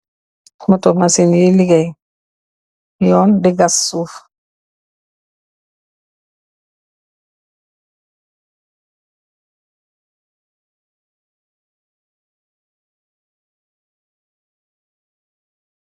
Moto masine yu legay yon, di gas suuf.